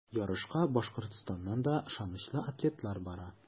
Ярышка Башкортстаннан да ышанычлы атлетлар бара.